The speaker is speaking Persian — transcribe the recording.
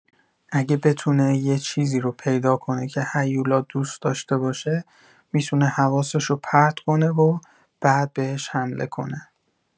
اگه بتونه یه چیزی رو پیدا کنه که هیولا دوست داشته باشه، می‌تونه حواسشو پرت کنه و بعد بهش حمله کنه.